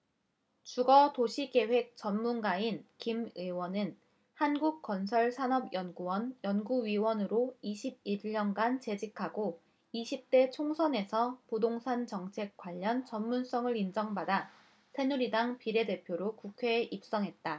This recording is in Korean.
주거 도시계획 전문가인 김 의원은 한국건설산업연구원 연구위원으로 이십 일 년간 재직하고 이십 대 총선에서 부동산 정책 관련 전문성을 인정받아 새누리당 비례대표로 국회에 입성했다